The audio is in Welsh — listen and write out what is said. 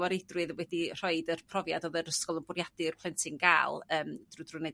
reidrwydd wedi rhoid yr profiad o'dd yr ysgol yn bwriadu'r plentyn ga'l yym drwy drwy 'neud